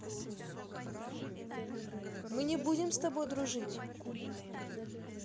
мы не будем с тобой дружить